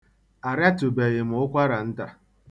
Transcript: Arịatụbeghị m ụkwaranta.